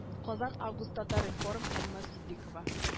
Казан август татар информ эмма ситдыйкова